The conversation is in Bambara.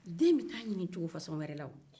den bɛ taa ɲini cogo fasɔn wɛrɛ la woo